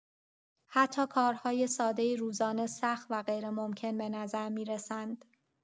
حتی کارهای ساده روزانه سخت و غیرممکن به نظر می‌رسند.